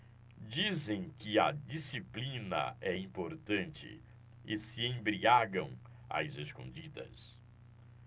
dizem que a disciplina é importante e se embriagam às escondidas